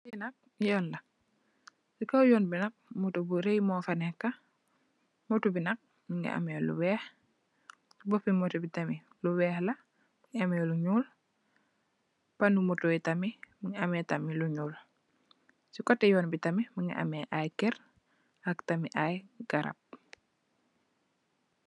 Fii nak yoon la, yoon, si kow yoon bi bi nak, otto bu rëy moo fa nekkë,"motto" bi nak, mu ngi, boppi motto bi nak, mu ngi amee lu ñuul, ron otto yi tamit, mu ngi amee lu ñuul. Si kotte yoon yi tam, mu ngi amee kër, ak tamit ay garab.